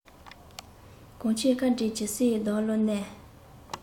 གང ཁྱེད བཀའ དྲིན ཇི སྲིད བདག བློར གནས